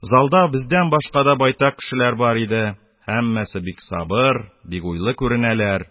Залда безгә башка да байтак кешеләр бар иде. Кәммәсе бик сабыр, бик уйлы күренәләр...